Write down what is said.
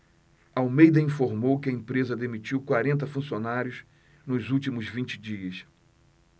almeida informou que a empresa demitiu quarenta funcionários nos últimos vinte dias